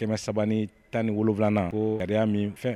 Kɛmɛ saba ni tan ni wolo wolonwulana ko ka' min fɛn